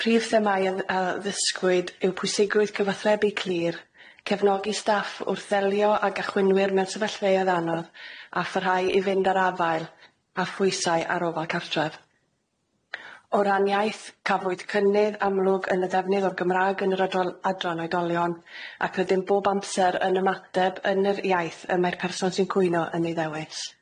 Prif themau a ddysgwyd yw pwysigrwydd cyfathrebu clir, cefnogi staff wrth ddelio ag achwynwyr mewn sefyllfaoedd anodd, a pharhau i fynd ar afael, â phwysau ar ofal cartref. O ran iaith, cafwyd cynnydd amlwg yn y ddefnydd o'r Gymrag yn yr adro- adran oedolion, ac rydym bob amser yn ymateb yn yr iaith y mae'r person sy'n cwyno yn ei ddewis.